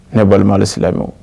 Ne balimaale silamɛ